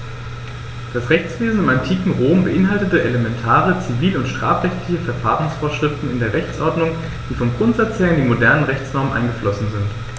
Das Rechtswesen im antiken Rom beinhaltete elementare zivil- und strafrechtliche Verfahrensvorschriften in der Rechtsordnung, die vom Grundsatz her in die modernen Rechtsnormen eingeflossen sind.